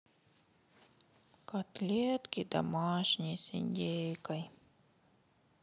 котлетки домашние с индейкой